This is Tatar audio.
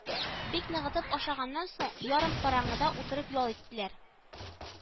Бик ныгытып ашаганнан соң ярым караңгыда утырып ял иттеләр